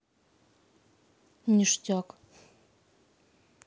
ништяк